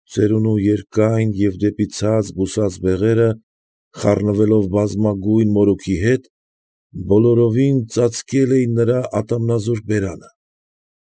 Ծերունու երկայն և դեպի ցած բուսած բեղերը, խառնվելով բամբակագույն միրուքի հետ, բոլորովին ծածկել էին նրա ատամնազուրկ բերանը։